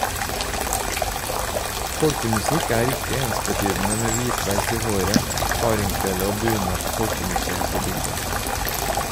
Folkemusikk er ikke ensbetydende med hvitveis i håret , hardingfele og bunad på folkemuseet på Bygdø.